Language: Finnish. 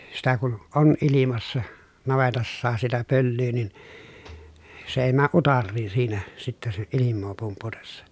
sitä kun on ilmassa navetassakin sitä pölyä niin se ei mene utareisiin siinä sitten se ilmaa pumputessa